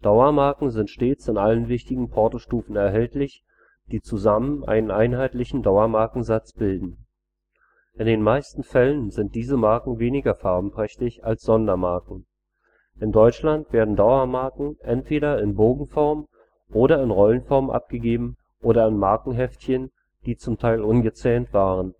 Dauermarken sind stets in allen wichtigen Portostufen erhältlich, die zusammen einen einheitlichen Dauermarkensatz bilden. In den meisten Fällen sind diese Marken weniger farbenprächtig als Sondermarken. In Deutschland werden Dauermarken entweder in Bogenform und in Rollenform abgegeben oder in Markenheftchen, die zum Teil ungezähnt waren